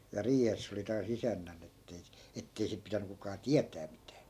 ja riihessä se oli taas isännän että ei - että ei sitten pitänyt kukaan tietää mitään